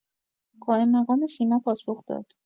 قائم‌مقام سیما پاسخ داد